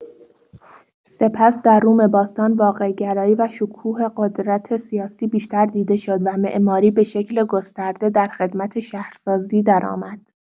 سپس درروم باستان واقع‌گرایی و شکوه قدرت سیاسی بیشتر دیده شد و معماری به شکل گسترده در خدمت شهرسازی درآمد.